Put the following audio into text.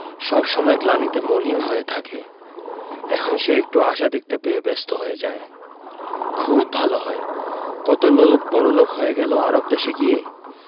সব সময় গ্লানিতে মলিন হয়ে থাকে এখন সে একটা আশা দেখতে পেয়ে ব্যস্ত হয়ে যায় খুব ভালো হয় কত লোক বড়লোক হয়ে গেল আরব দেশে গিয়ে